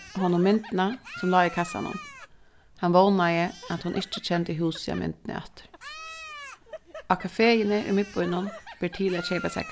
honum myndina sum lá í kassanum hann vónaði at hon ikki kendi húsið á myndini aftur á kafeini í miðbýnum ber til at keypa sær